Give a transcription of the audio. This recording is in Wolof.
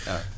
waaw